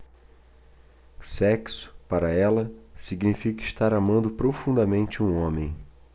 sexo para ela significa estar amando profundamente um homem